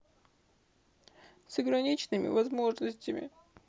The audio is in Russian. с ограниченными возможностями